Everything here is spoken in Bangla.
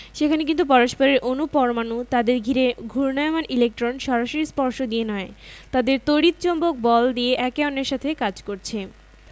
সেখানে কিন্তু পরস্পরের অণু পরমাণু তাদের ঘিরে ঘূর্ণায়মান ইলেকট্রন সরাসরি স্পর্শ দিয়ে নয় তাদের তড়িৎ চৌম্বক বল দিয়ে একে অন্যের সাথে কাজ করছে